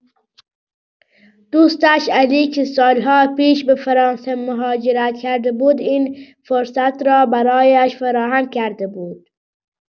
دوستش علی، که سال‌ها پیش به فرانسه مهاجرت کرده بود، این فرصت را برایش فراهم کرده بود.